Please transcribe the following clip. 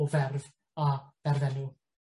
O ferf a berfenw.